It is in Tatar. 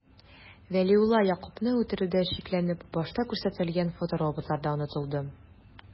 Вәлиулла Ягъкубны үтерүдә шикләнеп, башта күрсәтелгән фотороботлар да онытылды...